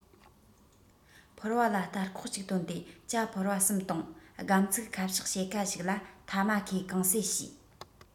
ཕོར བ ལ སྟར ཁོག ཅིག བཏོན ཏེ ཇ ཕོར པ གསུམ བཏུངས སྒམ ཚིག ཁ བཤགས ཕྱེད ཁ ཞིག ལ ཐ མ ཁའི གང ཟེ བྱས